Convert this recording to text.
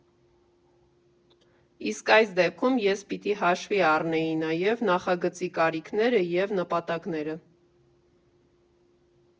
Իսկ այս դեպքում ես պիտի հաշվի առնեի նաև նախագծի կարիքները և նպատակները։